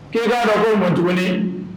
Ke' ara man tuguni